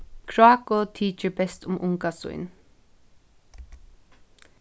kráku tykir best um unga sín